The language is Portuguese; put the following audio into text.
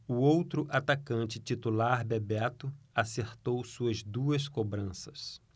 o outro atacante titular bebeto acertou suas duas cobranças